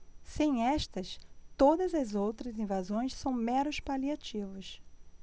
sem estas todas as outras invasões são meros paliativos